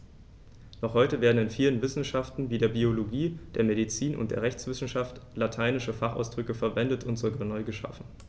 Noch heute werden in vielen Wissenschaften wie der Biologie, der Medizin und der Rechtswissenschaft lateinische Fachausdrücke verwendet und sogar neu geschaffen.